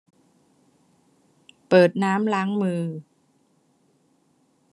เปิดน้ำล้างมือ